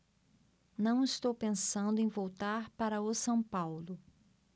não estou pensando em voltar para o são paulo